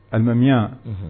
Limami